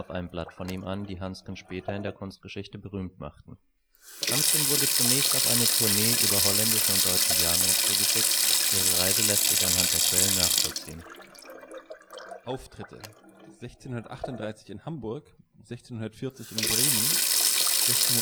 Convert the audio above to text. einem Blatt von ihm an, die Hansken später in der Kunstgeschichte berühmt machten. Hansken wurde zunächst auf eine Tournee über holländische und deutsche Jahrmärkte geschickt; ihre Reise lässt sich anhand der Quellen nachvollziehen: Auftritte 1638 in Hamburg, 1640 in Bremen, 1641